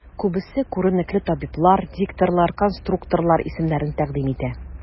Күбесе күренекле табиблар, дикторлар, конструкторлар исемнәрен тәкъдим итә.